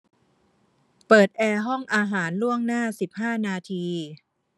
เปิดแอร์ห้องอาหารล่วงหน้าสิบห้านาที